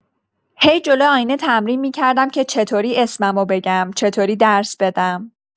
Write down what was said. هی جلوی آینه تمرین می‌کردم که چطوری اسممو بگم، چطوری درس بدم.